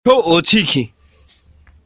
ཟ འཕྲོ ང ལ བསྟན ཏེ